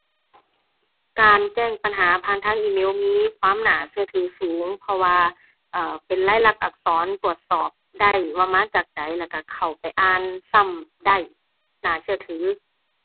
การแจ้งปัญหาผ่านทางอีเมลมีความเชื่อถือสูง เพราะว่า เอ่อ เป็นลายลักษณ์อักษร ตรวจสอบได้ว่ามาจากใด แล้วก็เข้าไปอ่านซ้ำได้ น่าเชื่อถือ